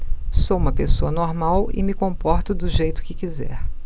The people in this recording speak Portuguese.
sou homossexual e me comporto do jeito que quiser